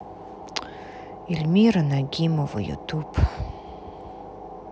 ильмира нагимова ютуб